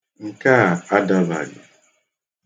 Nke a adabaghi.